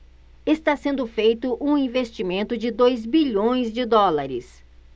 está sendo feito um investimento de dois bilhões de dólares